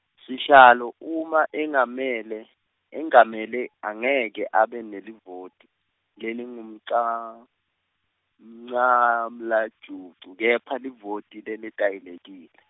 sihlalo uma engamele, engamele angeke abe nelivoti, lelingumncamla- -mlajucu kepha livoti leletayelekile.